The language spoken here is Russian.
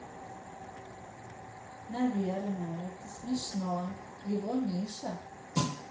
наверное это смешно его миша